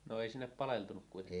no ei sinne paleltunut kuitenkaan